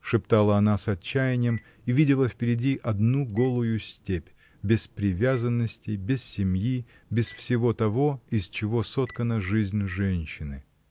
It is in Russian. — шептала она с отчаянием и видела впереди одну голую степь, без привязанностей, без семьи, без всего того, из чего соткана жизнь женщины.